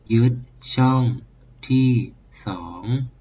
ยึดช่องที่สอง